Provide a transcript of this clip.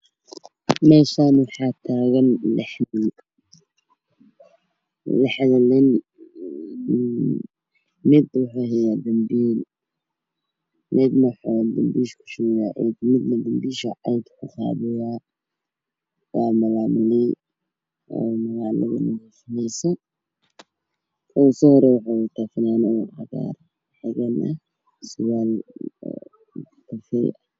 Meeshaan waxaa taagan lix nin. Mid waxuu hayaa dambiil, midna ciid ayuu dambiisha kushubaayaa, waa milaamiley. Ninka u soohoreeyo waxuu wataa fanaanad cadaan ad iyo surwaal kafay ah.